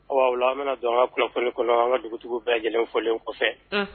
An bɛna don an ka kunnafoni kɔnɔ an ka dugu bɛɛ lajɛlen fɔlen kɔfɛ, unhun.